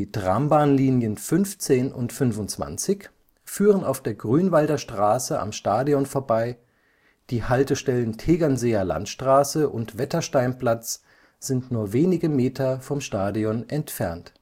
Trambahnlinien 15 und 25 führen auf der Grünwalder Straße am Stadion vorbei, die Haltestellen Tegernseer Landstraße und Wettersteinplatz sind nur wenige Meter vom Stadion entfernt